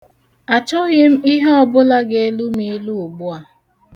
Achọghị m ihe ọbụla ga-elu m ilu ugbu a.